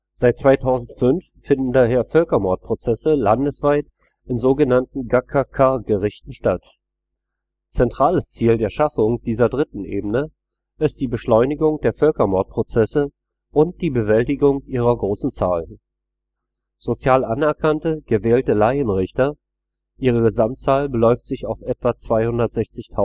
Seit 2005 finden daher Völkermordprozesse landesweit in so genannten Gacaca-Gerichten statt. Zentrales Ziel der Schaffung dieser dritten Ebene ist die Beschleunigung der Völkermordprozesse und die Bewältigung ihrer großen Zahl. Sozial anerkannte, gewählte Laienrichter – ihre Gesamtzahl beläuft sich auf etwa 260.000